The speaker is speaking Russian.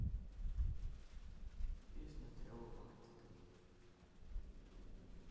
песня трех богатырей